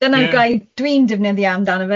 Dyna'r gair dwi'n defnyddio amdano fe